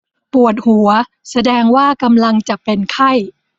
ปวดหัวแสดงว่ากำลังจะเป็นไข้